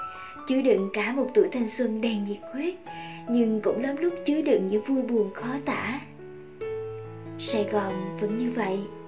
chứa đựng cả một tuổi thanh xuân đầy nhiệt huyết nhưng cũng lắm lúc chứa đựng những vui buồn khó tả sài gòn vẫn như vậy